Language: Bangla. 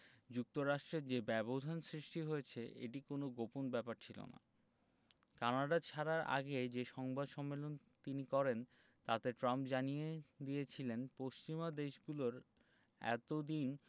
যুক্তরাষ্ট্রের যে ব্যবধান সৃষ্টি হয়েছে এটি কোনো গোপন ব্যাপার ছিল না কানাডা ছাড়ার আগে যে সংবাদ সম্মেলন তিনি করেন তাতে ট্রাম্প জানিয়ে দিয়েছিলেন পশ্চিমা দেশগুলোর এত দিন